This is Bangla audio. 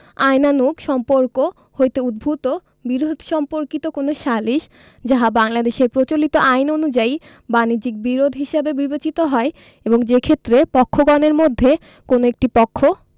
আইনানুগ সম্পর্ক হইতে উদ্ভুত বিরোধ সম্পর্কিত কোন সালিস যাহা বাংলাদেশের প্রচলিত আইন অনুযায়ী বাণিজ্যিক বিরোধ হিসাবে বিবেচিত হয় এবং যেক্ষেত্রে পক্ষগণের মধ্যে কোন একটি পক্ষ